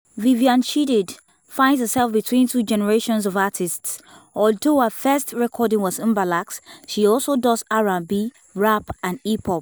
Viviane Chidid finds herself between two generations of artists: although her first recording was Mbalax, she also does R&B, rap, and hip hop.